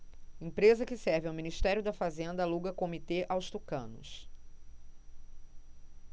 empresa que serve ao ministério da fazenda aluga comitê aos tucanos